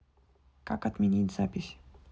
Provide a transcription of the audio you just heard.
как отменить запись